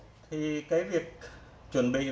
để chuẩn bị tập saxophone đầu tiên phải có kèn